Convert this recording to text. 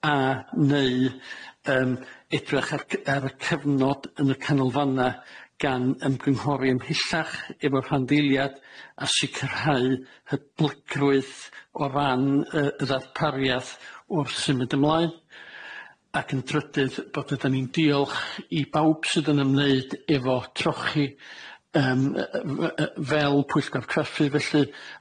a neu yym edrach ar gy- ar y cyfnod yn y canolfanna gan ymgynghori ymhellach efo rhanddeiliad a sicirhau hyblygrwydd o ran y ddarpariath wrth symud ymlaen ac yn drydydd bod ydan ni'n diolch i bawb sydd yn ymneud efo trochi yym yy yy f- yy fel pwyllgor craffu felly,